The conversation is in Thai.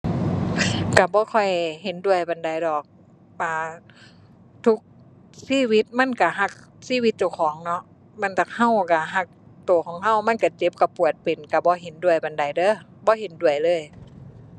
ก็บ่ค่อยเห็นด้วยปานใดดอก อ่า ทุกชีวิตมันก็ก็ชีวิตเจ้าของเนาะ แม้แต่ก็ก็ก็ก็ของก็ มันก็เจ็บก็ปวดเป็น ก็บ่เห็นด้วยปานใดเด้อ บ่เห็นด้วยเลย